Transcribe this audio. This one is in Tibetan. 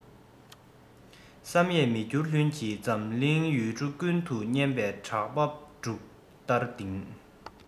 བསམ ཡས མི འགྱུར ལྷུན གྱིས འཛམ གླིང ཡུལ གྲུ ཀུན ཏུ སྙན པའི གྲགས པ འབྲུག ལྟར ལྡིར